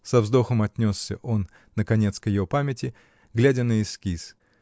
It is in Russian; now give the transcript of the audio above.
— со вздохом отнесся он наконец к ее памяти, глядя на эскиз.